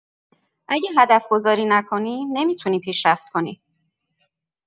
اگه هدف‌گذاری نکنی، نمی‌تونی پیشرفت کنی.